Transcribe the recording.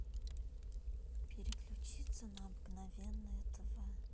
переключиться на обыкновенное тв